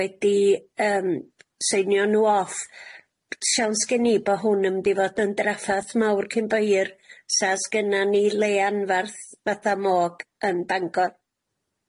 wedi yym seinio n'w off, siawns gen i bo' hwn yn mynd i fod yn draffath mawr cyn bo' hir 'sa sgenna ni le anferth fatha môg yn Bangor.